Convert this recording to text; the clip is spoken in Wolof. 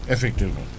effectivement